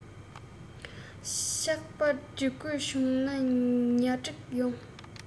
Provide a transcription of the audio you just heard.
ཆགས པ སྒྲིག དགོས བྱུང ན ཉ སྒྲིག ཡོང